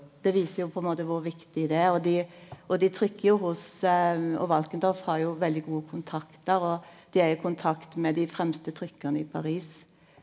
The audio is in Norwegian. det viser jo på ein måte kor viktig det er og dei og dei trykker jo hos og Valkendorf har jo veldig gode kontaktar og dei er i kontakt med dei fremste trykkarane i Paris.